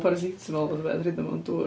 paracetamol fath o beth a rhoid o mewn dŵr.